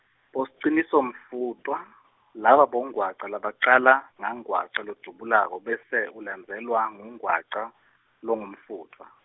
Bosicinisomfutfwa laba bongwaca labacala ngangwaca lodubulako bese ulandzelwa ngungwaca longumfutfwa.